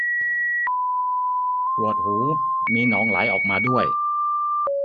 ปวดหูมีหนองไหลออกมาด้วย